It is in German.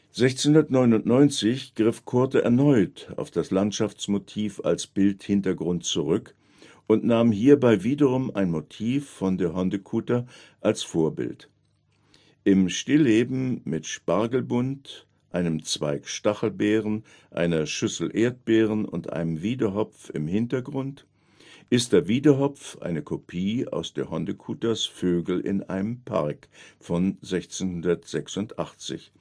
1699 griff Coorte erneut auf das Landschaftsmotiv als Bildhintergrund zurück und nahm hierbei wiederum ein Motiv von de Hondecoeter als Vorbild. Im Stillleben mit Spargelbund, einem Zweig Stachelbeeren, einer Schüssel Erdbeeren und einem Wiedehopf im Hintergrund ist der Wiedehopf eine Kopie aus de Hondecoeters Vögel in einem Park von 1686